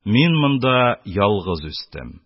Мин монда ялгыз үстем.